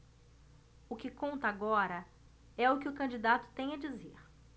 o que conta agora é o que o candidato tem a dizer